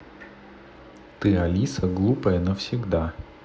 ты алиса глупая навсегда